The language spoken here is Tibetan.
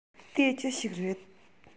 དེ ཅི ཞིག རེད